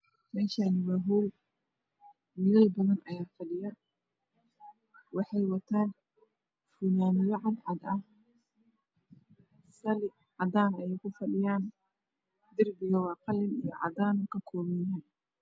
Meeshan waa hool wiilal badan ayaa fa dhiyo waxay wataan funaanado cadaan ah sali cadaan aha ayay ku fa dhiyaan darbiga qalin iyo cadaan ayuu ka kooban yahay